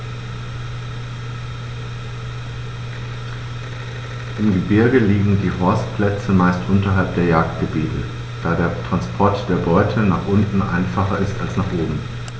Im Gebirge liegen die Horstplätze meist unterhalb der Jagdgebiete, da der Transport der Beute nach unten einfacher ist als nach oben.